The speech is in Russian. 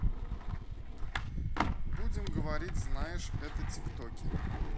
будем говорить знаешь это тик токи